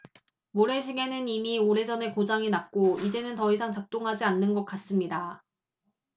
모래시계는 이미 오래 전에 고장이 났고 이제는 더 이상 작동하지 않는 것 같습니다